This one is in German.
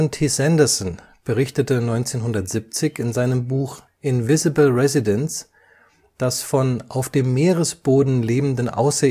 T. Sanderson berichtete 1970 in seinem Buch Invisible Residents, das von auf dem Meeresboden lebenden Außerirdischen